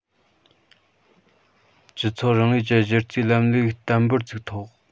སྤྱི ཚོགས རིང ལུགས ཀྱི གཞི རྩའི ལམ ལུགས བརྟན པོར བཙུགས ཐོག